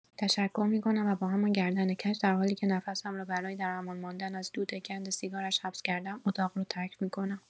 تشکر می‌کنم و با همان گردن کج در حالی که نفسم را برای در امان ماندن از دود گند سیگارش حبس کرده‌ام اتاق را ترک می‌کنم.